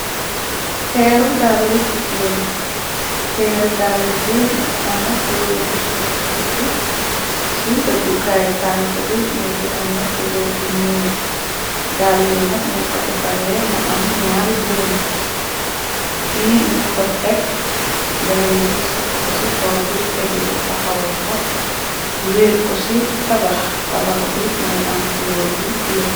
Peru dalla jigeen peeru dàll bi mingi ame kuloor bu sung ci bukki ci dëggukaay tank bi mëngi ame kuloor bu ñuun dàll yi nat ñuñ ko defaree mu am ñaari buum bi ñuñ ko tekk beneen bi ni sëpp ko ci kaw biy tegee taxawal ko wiir ko ci tabax tabax bi mungi am kuloor bu bulo.